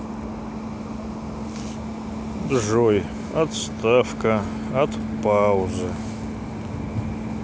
джой отставка от паузы